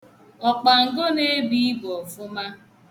Ọkpango na-ebu ibu ọfụma.